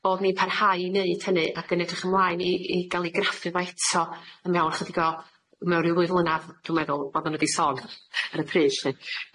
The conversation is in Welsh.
bod ni'n parhau i neud hynny ac yn edrych ymlaen i i ga'l i graffu fo eto yn mewn chydig o mewn ryw flwydd flynadd dwi'n meddwl oddan n'w 'di sôn ar y pryd lly.